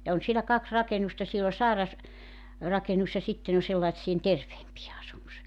ja on siellä kaksi rakennusta siellä on - sairasrakennus ja sitten on sellaisten terveempien asumus